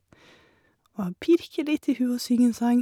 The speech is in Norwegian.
Og jeg pirker litt i hu og synger en sang.